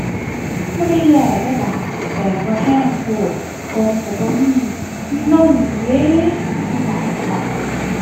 บ่ได้แย่เดะล่ะ แดดบ่แรงโพด ฝนแรงบ่มี มีลมเย็นเย็นสำบายสำบาย